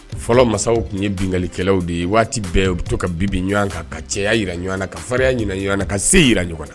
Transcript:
Fɔlɔ masaw tun ye binkalikɛlaw de ye waati bɛɛ bɛ to ka bibi ɲɔgɔn kan ka cayaya jira ɲɔgɔn na ka faririnya jira ɲɔgɔn na ka se jirara ɲɔgɔn na